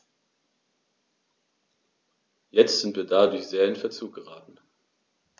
Jetzt sind wir dadurch sehr in Verzug geraten.